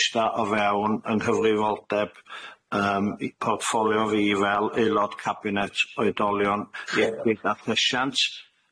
ista o fewn yng nghyfrifoldeb yym i- portffolio fi fel aelod cabinet oedolion iechyd a lleshiant,